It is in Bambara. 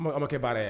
Awkɛ kɛ baara ye